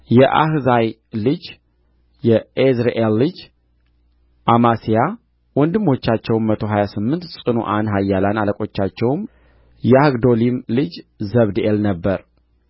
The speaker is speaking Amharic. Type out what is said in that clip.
የአሕዛይ ልጅ የኤዝርኤል ልጅ አማስያ ወንድሞቻቸውም መቶ ሀያ ስምንት ጽኑዓን ኃያላን አለቃቸውም የሐግዶሊም ልጅ ዘብድኤል ነበረ